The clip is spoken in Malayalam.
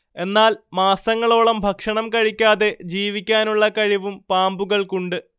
എന്നാൽ മാസങ്ങളോളം ഭക്ഷണം കഴിക്കാതെ ജീവിക്കാനുള്ള കഴിവും പാമ്പുകൾക്കുണ്ട്